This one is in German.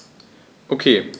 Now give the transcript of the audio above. Okay.